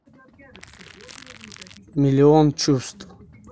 миллион чувств